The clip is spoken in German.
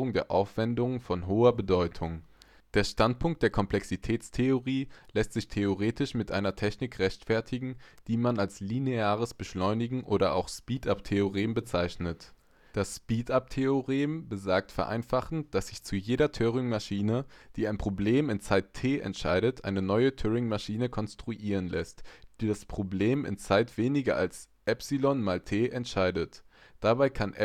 der Aufwände von hoher Bedeutung. Der Standpunkt der Komplexitätstheorie lässt sich theoretisch mit einer Technik rechtfertigen, die man als lineares Beschleunigen oder auch Speedup-Theorem bezeichnet. (Wir beschränken uns hier auf das Zeitverhalten. Analoge Beweise kann man auch für den Speicherbedarf oder andere Ressourcen führen.) Das Speedup-Theorem besagt vereinfachend, dass sich zu jeder Turingmaschine, die ein Problem in Zeit T {\ displaystyle T} entscheidet, eine neue Turingmaschine konstruieren lässt, die das Problem in Zeit weniger als ε ⋅ T {\ displaystyle \ varepsilon \ cdot T} entscheidet. Dabei kann